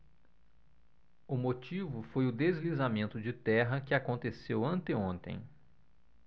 o motivo foi o deslizamento de terra que aconteceu anteontem